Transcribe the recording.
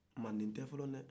manden tɛ fɔlɔ dɛ